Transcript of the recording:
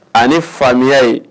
A ni faamuya ye